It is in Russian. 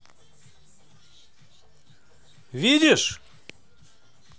видишь